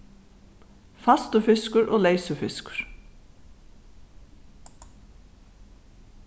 fastur fiskur og leysur fiskur